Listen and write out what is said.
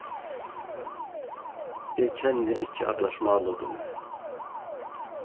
eg kenni ikki allar smálutirnar